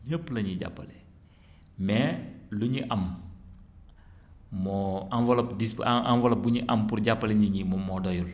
ñépp la ñuy jàppale mais lu ñu am moo enveloppe disp en enveloppe bu ñu am pour jàppale nit ñi moom moo doyul